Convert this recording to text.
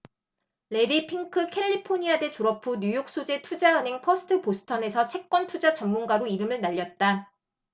래리 핑크 캘리포니아대 졸업 후 뉴욕 소재 투자은행 퍼스트 보스턴에서 채권투자 전문가로 이름을 날렸다